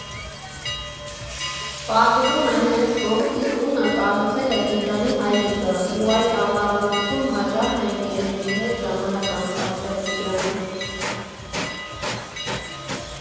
Պարզվում է՝ հենց կողքի տունը կառուցել է Տիգրանի հայրիկը ու այդ ամառանոցում հաճախ է ընկերների հետ ժամանակ անցկացրել Տիգրանը.